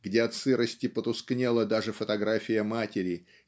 где от сырости потускнела даже фотография матери